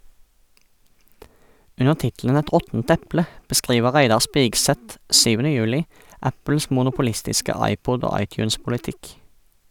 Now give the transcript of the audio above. Under tittelen "Et råttent eple" beskriver Reidar Spigseth 7. juli Apples monopolistiske iPod- og iTunes-politikk.